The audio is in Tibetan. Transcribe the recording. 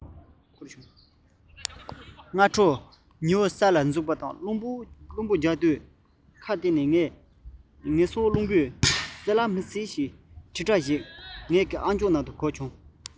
ཞོགས པའི ཉི འོད ས ལ ཟུག པ རླུང བུའི ལྡང ཕྱོགས སུ ཁ གཏད ནས ངལ གསོ རླུང བུས གསལ ལ མི གསལ བའི དྲིལ སྒྲ ཞིག ངའི རྣ ལམ དུ ཁུར བྱུང